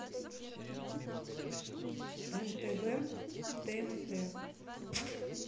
нтв тнт